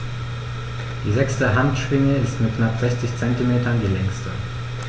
Die sechste Handschwinge ist mit knapp 60 cm die längste.